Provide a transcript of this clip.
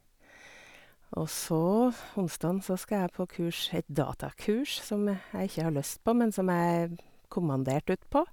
Og så, onsdagen så skal jeg på kurs, et datakurs som jeg ikke har lyst på, men som jeg er kommandert ut på.